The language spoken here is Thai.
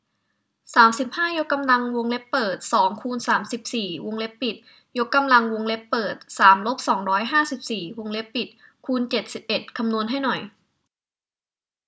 สามสิบห้ายกกำลังวงเล็บเปิดสองคูณสามสิบสี่วงเล็บปิดยกกำลังวงเล็บเปิดสามลบสองร้อยห้าสิบสี่วงเล็บปิดคูณเจ็ดสิบเอ็ดคำนวณให้หน่อย